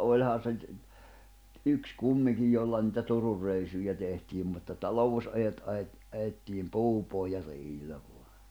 olihan se yksi kumminkin jolla niitä Turunreissuja tehtiin mutta talousajot ajettiin ajettiin puupohjareillä vain